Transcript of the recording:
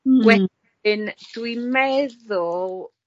Hmm. Wedyn dwi meddwl